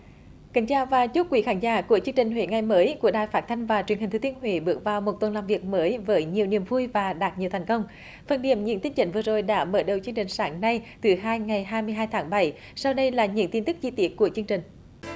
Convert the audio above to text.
kính chào và chúc quý khán giả của chương trình huế ngày mới của đài phát thanh và truyền hình thừa thiên huế bước vào một tuần làm việc mới với nhiều niềm vui và đạt nhiều thành công phần điểm những tin chính vừa rồi đã mở đầu chương trình sáng nay thứ hai ngày hai mươi hai tháng bảy sau đây là những tin tức chi tiết của chương trình